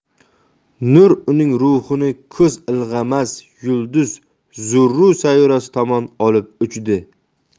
nur uning ruhini ko'z ilg'amas yulduz zurru sayyorasi tomon olib uchdi